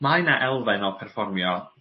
mae 'na elfen o perfformio